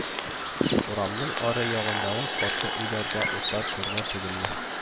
Урамның ары ягындагы каршы өйләрдә утлар күренә түгелме